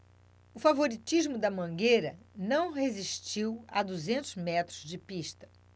o favoritismo da mangueira não resistiu a duzentos metros de pista